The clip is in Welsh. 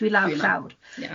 dwi lawr llawr.